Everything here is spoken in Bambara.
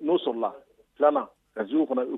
N'o sɔrɔla filanan ka z kɔnɔ